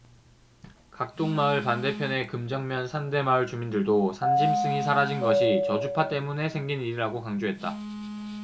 각동마을 반대편의 금정면 산대마을 주민들도 산짐승이 사라진 것이 저주파 때문에 생긴 일이라고 강조했다